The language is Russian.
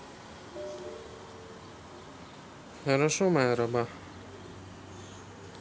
хорошо моя раба